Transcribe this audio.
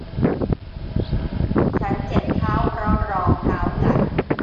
ฉันเจ็บเท้าเพราะรองเท้ากัด